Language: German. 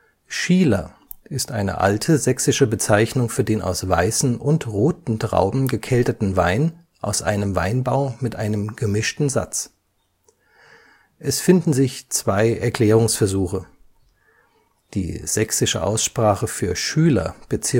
Schieler ist eine alte sächsische Bezeichnung für den aus weißen und roten Trauben gekelterten Wein aus einem Weinbau mit einem gemischten Satz. Es finden sich zwei Erklärungsversuche: Die sächsische Aussprache für (Fürsten -) Schüler wird